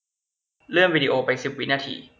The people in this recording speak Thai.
เลื่อนวีดีโอไปสิบวินาที